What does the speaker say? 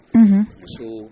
Un